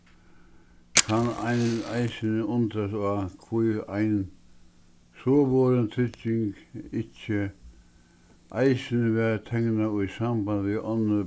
kann ein eisini undrast á hví ein sovorðin trygging ikki eisini var teknað í samband við onnur